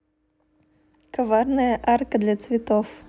кованая арка для цветов